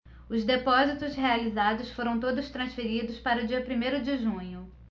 os depósitos realizados foram todos transferidos para o dia primeiro de junho